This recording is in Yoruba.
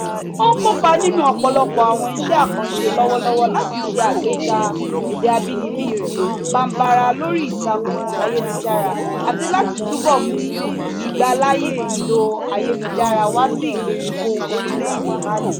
Ó ń kópa nínú ọ̀pọ̀lọpọ̀ àwọn iṣẹ́ àkànṣe lọ́wọ́lọ́wọ́ láti ṣe àgbéga èdè abínibí rẹ̀, Bambara, lórí ìtàkùn ayélujára, àti láti túbọ̀ mú ìgbàláàyé ìlò ayélujára wá sí ìgbèríko orílè-èdè Mali.